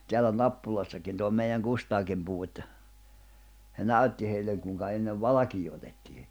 täällä Nappulassakin tuo meidän Kustaakin puhui että se näytti heille kuinka ennen valkeaa otettiin